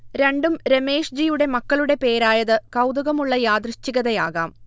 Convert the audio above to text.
രണ്ടും രമേഷ്ജിയുടെ മക്കളുടെ പേരായത് കൗതുകമുള്ള യാദൃച്ഛികതയാകാം